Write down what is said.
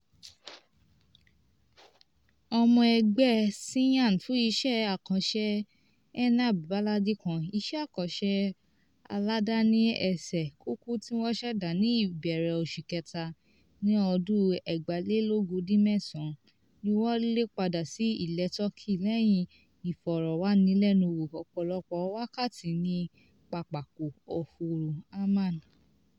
Ọmọ ẹgbẹ́ Syian fún iṣẹ́ àkànṣe Enab Baladi kan, iṣẹ́ àkànṣe aládàáni ẹsẹ̀ kùkú tí wọ́n ṣẹ̀dá ní ìbẹ̀rẹ̀ oṣù kẹta ní ọdún 2011 ni wọ́n lé padà sí ilẹ̀ Turkey lẹ́yìn Ìfọ̀rọ̀wánilẹ́nuwò ọ̀pọ̀lọpọ̀ wákàtí ní pápákọ̀ òfuurufú Amman.